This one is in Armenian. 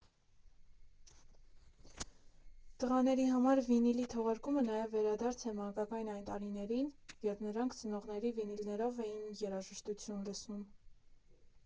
Տղաների համար վինիլի թողարկումը նաև վերադարձ է մանկական այն տարիներին, երբ նրանք ծնողների վինիլներով էին երաժշտություն լսում։